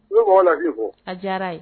U ye mɔgɔ nafin ko a diyara yen